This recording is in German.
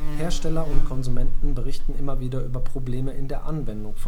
Hersteller und Konsumenten berichten immer wieder über Probleme in der Anwendung